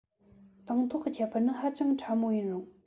དང ཐོག གི ཁྱད པར ནི ཧ ཅང ཕྲ མོ ཡིན རུང